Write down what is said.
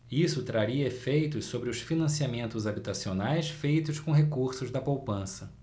isso traria efeitos sobre os financiamentos habitacionais feitos com recursos da poupança